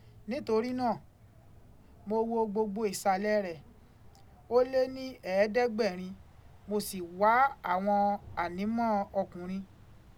Nítorí náà, mo wo gbogbo ìsàlẹ̀ rẹ̀, ó lé ní ẹ̀ẹ́dẹ́gbẹ̀rin, mo sì wá àwọn ànímọ́ ọ ọkùnrin.